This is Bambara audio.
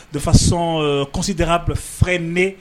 De façon considérable freinée